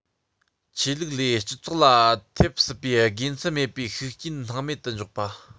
ཆོས ལུགས ལས སྤྱི ཚོགས ལ ཐེབས སྲིད པའི དགེ མཚན མེད པའི ཤུགས རྐྱེན སྣང མེད དུ འཇོག པ